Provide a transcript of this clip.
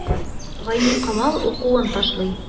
Гайникамал укуын ташлый.